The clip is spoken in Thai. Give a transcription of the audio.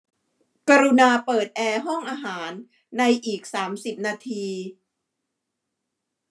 กรุณาเปิดแอร์ห้องอาหารในอีกสามสิบนาที